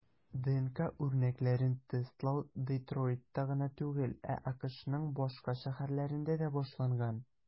ДНК үрнәкләрен тестлау Детройтта гына түгел, ә АКШның башка шәһәрләрендә дә башланган.